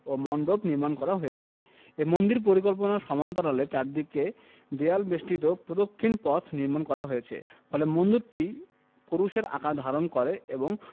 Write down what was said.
ও মন্ডপ নির্মাণ করা হয়েছে এ মন্দির পরিকল্পনার সমান্তরালে চারদিকে দেয়াল বেষ্টিত প্রদক্ষিণ পথ নির্মাণ করা হয়েছে ফলে মন্দিরটি ক্রুশের আকার ধারণ করে এবং